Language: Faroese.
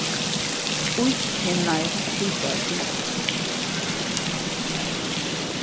íspinnar til børn